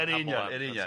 yn union.